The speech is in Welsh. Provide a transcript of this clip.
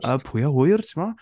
Pwy â wyr timod?